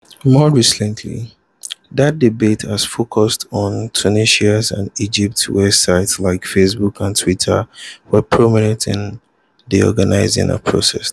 More recently, that debate has focused on Tunisia and Egypt, where sites like Facebook and Twitter were prominent in the organizing of protests.